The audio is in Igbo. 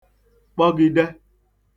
kpọgide